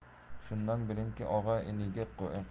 shundan bilingki og'a iniga qaynota